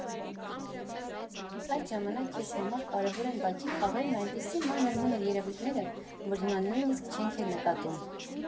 Այդ ժամանակ քեզ համար կարևոր են բակի խաղերն ու այնպիսի մանր մունր երևույթները, որ հիմա նույնիսկ չենք էլ նկատում։